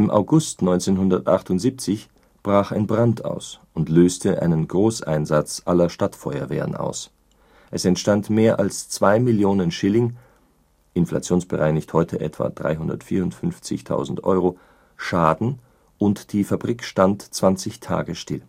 August 1978 brach ein Brand aus und löste einen Großeinsatz aller Stadtfeuerwehren aus. Es entstand mehr als zwei Millionen Schilling (inflationsbereinigt heute etwa 400.000 Euro) Schaden und die Fabrik stand 20 Tage still